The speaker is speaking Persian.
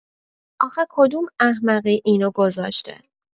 آخه کدوم احمقی اینو گذاشته؟